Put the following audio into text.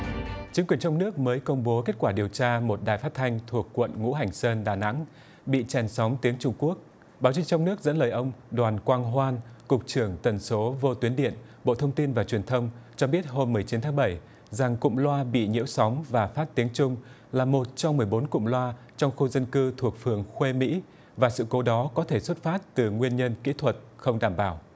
chính quyền trong nước mới công bố kết quả điều tra một đài phát thanh thuộc quận ngũ hành sơn đà nẵng bị chèn sóng tiếng trung quốc báo chí trong nước dẫn lời ông đoàn quang hoan cục trưởng tần số vô tuyến điện bộ thông tin và truyền thông cho biết hôm mười chín tháng bảy rằng cụm loa bị nhiễu sóng và phát tiếng trung là một trong mười bốn cụm loa trong khu dân cư thuộc phường khuê mỹ và sự cố đó có thể xuất phát từ nguyên nhân kỹ thuật không đảm bảo